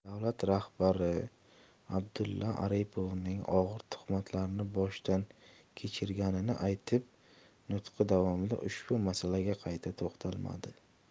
davlat rahbari abdulla aripovnning og'ir tuhmatlarni boshdan kechirganini aytib nutqi davomida ushbu masalaga qayta to'xtalmadi